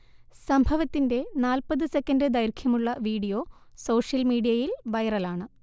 സംഭവത്തിന്റെ നാല്‍പ്പത് സെക്കൻഡ് ദൈർഘ്യമുള്ള വീഡിയോ സോഷ്യൽ മീഡിയയിൽ വൈറലാണ്